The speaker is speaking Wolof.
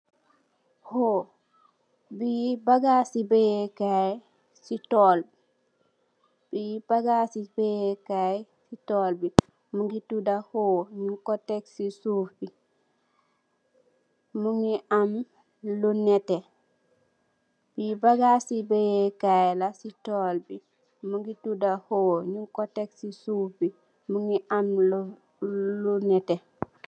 "hoe", bi bagaas i bayee kaay la, si tool, mu ngi tudda "hoe", ñung ko tek si suuf, mu ngi am lu nétté. Lii bagaas i bayee kaay la si tool bi, mu ngi tudda "hoe" ñung ko tek suuf bi, mu ngi am lu nétté.